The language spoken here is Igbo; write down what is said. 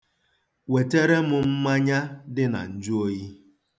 Wetara m mmanya dị na njụoyi.